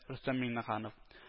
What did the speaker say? Рөстәм Миннәһанов